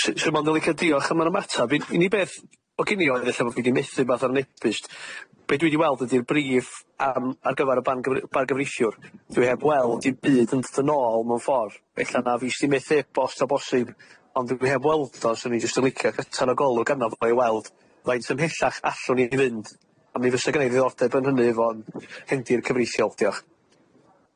S- s- sim ond yn licio diolch am yr ymateb un- unig beth o' gin i oedd ella bo' fi di methu wbath ar ebyst be dwi wedi weld ydi'r brif am ar gyfar y ban gyfr- bargyfreithiwr dwi heb weld i byd yn tyd yn ôl mewn ffor ella na fi sy di methu e-bost o bosib ond dwi heb weld o swn i jyst yn licio gyta'r o golwr arno fo i weld faint ymhellach allwn i fynd a mi fysa gneuddi ddordeb yn hynny efo'n hendir cyfreithiol diolch.